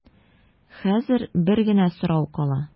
Хәзер бер генә сорау кала.